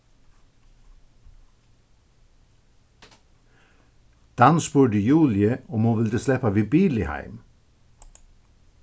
dan spurdi juliu um hon vildi sleppa við bili heim